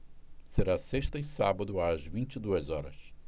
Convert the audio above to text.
será sexta e sábado às vinte e duas horas